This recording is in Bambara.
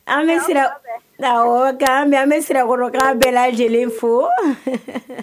An bɛ sira sago ka an bɛ sirakolokanan bɛ lajɛlen fo